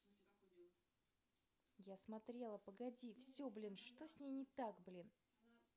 я смотрела погоди все блин что с ней не так блин